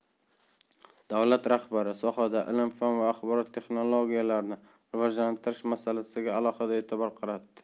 davlat rahbari sohada ilm fan va axborot texnologiyalarini rivojlantirish masalasiga alohida e'tibor qaratdi